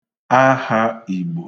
ahaÌgbò